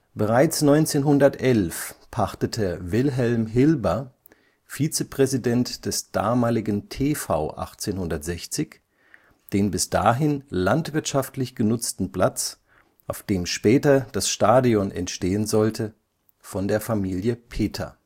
Bereits 1911 pachtete Wilhelm Hilber, Vizepräsident des damaligen TV 1860, den bis dahin landwirtschaftlich genutzten Platz, auf dem später das Stadion entstehen sollte, von der Familie Peter